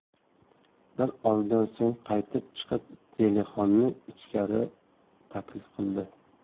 bir ozdan so'ng qaytib chiqib zelixonni ichkari taklif qildi